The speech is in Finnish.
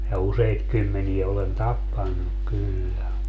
ja useita kymmeniä olen tappanut kyllä